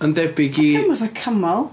Yn debyg i... Ond 'di o'm fatha camel?